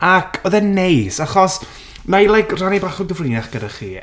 Ac oedd e'n neis. Achos wna i like rhannu bach o gyfrinach gyda chi.